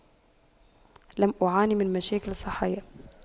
لم أعاني من مشاكل صحية